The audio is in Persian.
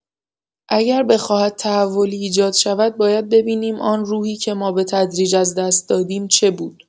اگر بخواهد تحولی ایجاد شود باید ببینیم آن روحی که ما به‌تدریج از دست دادیم، چه بود.